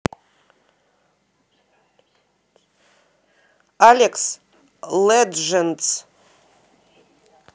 апекс леджендс